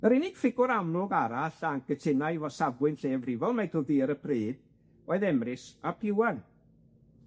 Yr unig ffigwr amlwg arall a'n cytunai efo safbwynt llefrifol Michael Dee ar y pryd oedd Emrys ap Iwan.